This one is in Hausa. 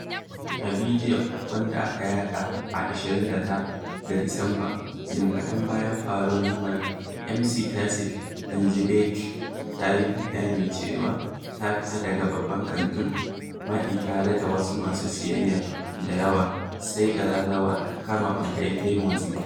A bidiyon, wanda aka yaɗa a 29 ga Disamba jin kaɗan bayan faruwar lamarin, Ms. Tasic Knezeɓic ta bayyana cewa ta fita daga babban kantin Maɗi tare da wasu masu siyayya da yawa, sai ƙararrawar kama ɓarayi ta yi motsi.